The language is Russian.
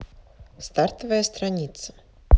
стартовая страница